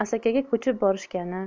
asakaga ko'chib borishgani